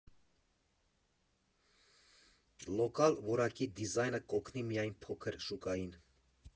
Լոկալ որակի դիզայնը կօգնի միայն փոքր շուկային։